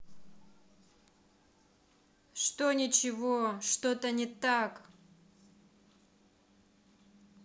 что ничего что то не так